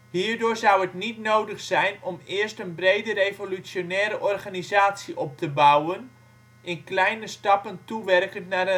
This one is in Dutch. Hierdoor zou het niet nodig zijn om eerst een brede revolutionaire organisatie op te bouwen, in kleine stappen toewerkend naar een revolutie